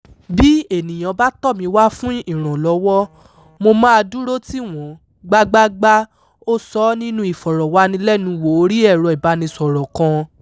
Bí ènìyàn bá tọ̀ mí wá fún ìrànlọ́wọ́, mo máa dúró tì wọ́n gbágbágbá, ó sọ nínúu ìfọ̀rọ̀wánilẹ́nuwò orí ẹ̀ro-ìbánisọ̀rọ̀ kan.